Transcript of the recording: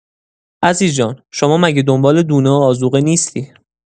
عزیز جان شما مگه دنبال دونه و آذوقه نیستی؟